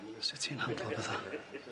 Sut ti'n handlo petha?